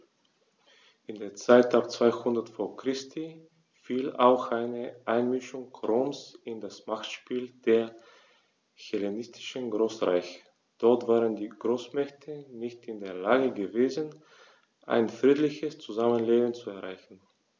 In die Zeit ab 200 v. Chr. fiel auch die Einmischung Roms in das Machtspiel der hellenistischen Großreiche: Dort waren die Großmächte nicht in der Lage gewesen, ein friedliches Zusammenleben zu erreichen.